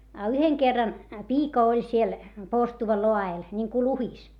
a yhden kerran piika oli siellä porstuan laella niin kuin luhdissa